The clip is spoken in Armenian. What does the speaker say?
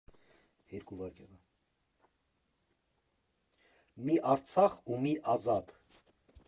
Մի Արցախ ու մի Ազատ։